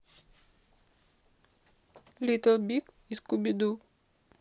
литтл биг скубиду